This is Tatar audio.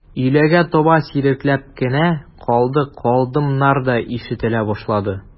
Өйләгә таба сирәкләп кенә «калды», «калдым»нар да ишетелә башлады.